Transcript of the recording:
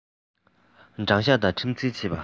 དྲང གཞག ངང ཁྲིམས འཛིན བྱེད པ